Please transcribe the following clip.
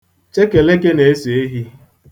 Chekeleke na-eso ehi.